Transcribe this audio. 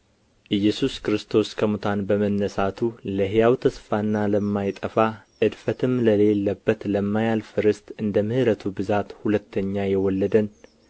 ኢየሱስ ክርስቶስ ከሙታን በመነሣቱ ለሕያው ተስፋና ለማይጠፋ እድፈትም ለሌለበት ለማያልፍም ርስት እንደ ምሕረቱ ብዛት ሁለተኛ የወለደን